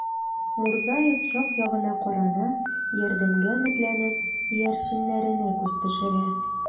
Мурзаев як-ягына карана, ярдәмгә өметләнеп, иярченнәренә күз төшерә.